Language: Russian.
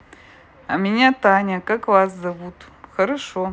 а меня таня как вас зовут хорошо